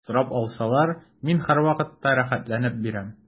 Сорап алсалар, мин һәрвакытта рәхәтләнеп бирәм.